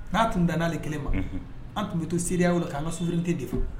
N'a tun dan'ale kelen ma an tun bɛ to seya bolo'an ka susuliti de fɛ